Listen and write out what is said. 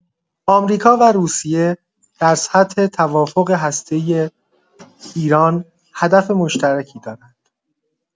آمریکا و روسیه در سطح توافق هسته‌ای ایران هدف مشترکی دارند.